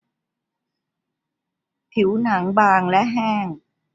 ผิวหนังบางและแห้ง